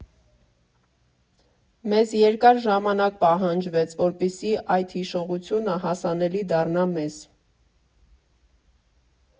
Մեզ երկար ժամանակ պահանջվեց, որպեսզի այդ հիշողությունը հասանելի դառնա մեզ։